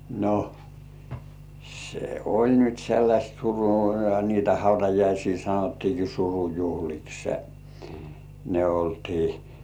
no se oli nyt sellaista - niitä hautajaisia sanottiinkin surujuhliksi ne oltiin